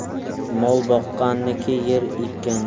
mol boqqanniki yer ekkanniki